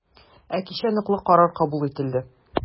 Ә кичә ныклы карар кабул ителде.